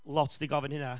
Lot di gofyn hynna.